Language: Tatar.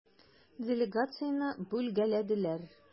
Делегацияне бүлгәләделәр.